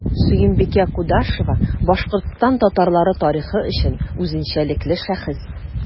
Сөембикә Кудашева – Башкортстан татарлары тарихы өчен үзенчәлекле шәхес.